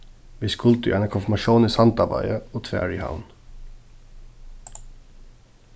vit skuldu í eina konfirmatión í sandavági og tvær í havn